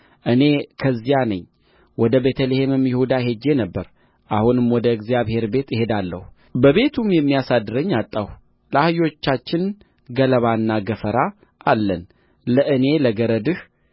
እኔ ከዚያ ነኝ ወደ ቤተ ልሔምም ይሁዳ ሄጄ ነበር አሁንም ወደ እግዚአብሔር ቤት እሄዳለሁ በቤቱም የሚያሳድረኝ አጣሁ ለአህዮቻችን ገለባና ገፈራ አለን ለእኔና ለገረድህ